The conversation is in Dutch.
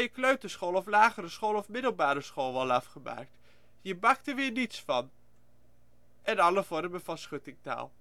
kleuterschool/lagere school/middelbare school wel afgemaakt? Je bakt er weer niets van! alle vormen van schuttingtaal